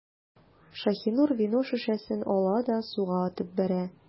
Шаһинур вино шешәсен ала да суга атып бәрә.